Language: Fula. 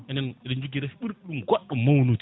enen eɗen jogui raafi ɓuurɗo ɗum goɗɗo mawnude